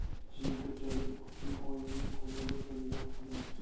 jinko'chalik otin oyining qo'lida birga o'qiganmiz